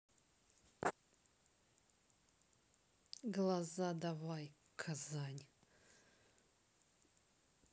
глаза давай казань